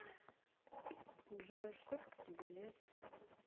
джой сколько тебе лет